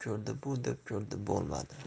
bu deb ko'rdi bo'lmadi